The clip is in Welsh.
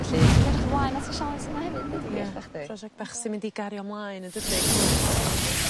Felly dwi'n edrych ymlaen at y sialens hynna hefyd deud y gwir thach di. 'Di. Prosiect bach sy mynd i gario mlaen yndydi? Yndi hollol yndi.